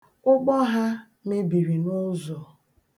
Ụgbọ ha mebiri n'ụzọ.